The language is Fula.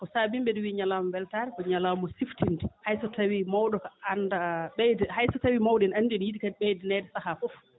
ko saabii mbiɗa wiya ñalawma weltaare ko ñalawma siftinde hay so tawii mawɗo anndaa ɓeyda hay so tawii mawɗo ne anndi ne yiɗii kadi ɓeydaneede sahaa fof